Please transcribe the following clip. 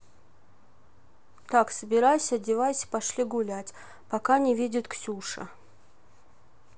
так собирайся одевайся пошли гулять пока не видит ксюша